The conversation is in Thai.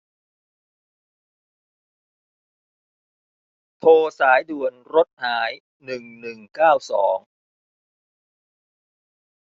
โทรสายด่วนรถหายหนึ่งหนึ่งเก้าสอง